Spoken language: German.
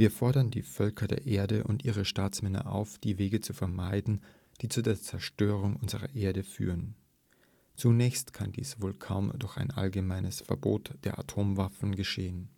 fordern die Völker der Erde und ihre Staatsmänner auf, die Wege zu vermeiden, die zu der Zerstörung unserer Erde führen. Zunächst kann dies wohl kaum durch ein allgemeines Verbot der Atomwaffen geschehen